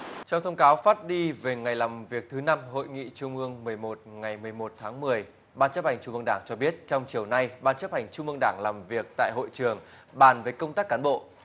trong thông cáo phát đi về ngày làm việc thứ năm hội nghị trung ương mười một ngày mười một tháng mười ban chấp hành trung ương đảng cho biết trong chiều nay ban chấp hành trung ương đảng làm việc tại hội trường bàn về công tác cán bộ